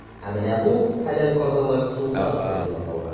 Ә менә бу – хәләл казылык,“Султанская” дип аталган.